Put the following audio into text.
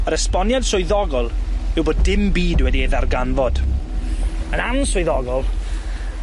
Yr esboniad swyddogol yw bod dim byd wedi ei ddarganfod. Yn answyddogol